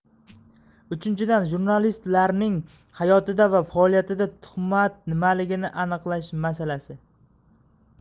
uchinchidan jurnalistlarning hayotida va faoliyatida tuhmat nimaligini aniqlash masalasi